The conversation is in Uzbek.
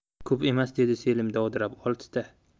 ko'p emas dedi selim dovdirab oltita